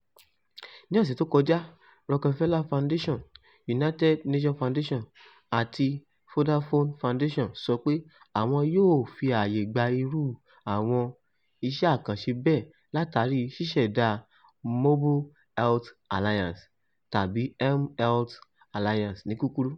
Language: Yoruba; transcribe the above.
Ní ọ̀ṣẹ̀ tó kọjá Rockefeller Foundation, United Nations Foundation, àti Vodafone Foundation sọ pé àwọn yóò fi aàyè gba irú àwọn iṣẹ́ àkanṣe bẹ́ẹ̀ látàrí ṣíṣèdá Mobile Health Alliance (tàbí mHealth Alliance ní kúkurú).